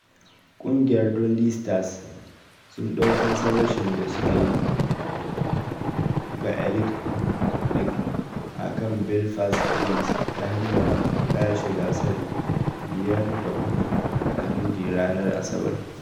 Kungiyar Dundee Stars sun dau fansar rashin da sukayi ga Elite League a kan Belfast Giants ta hanyar lashe gasar 5-3 a Dundee ranar Asabar.